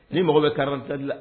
Ne mago bɛ kari filali la